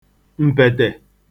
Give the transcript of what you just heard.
m̀pètè